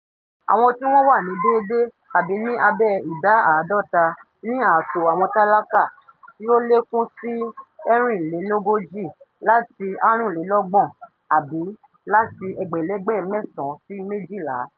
àwọn tí wọ́n wà ní dèèdé àbí ní abẹ́ ìdá 50% ní ààtò àwọn tálákà, tí ó lékún sí 44% láti 35 (àbí, láti ẹgbẹ̀lẹ́gbẹ̀ 9 sí 12).